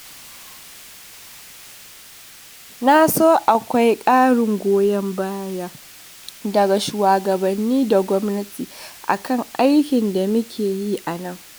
Na so ace akwai ƙarin goyon baya daga shugabanni da gwamnati a kan aikin da muke yi a nan.